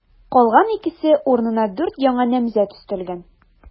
Калган икесе урынына дүрт яңа намзәт өстәлгән.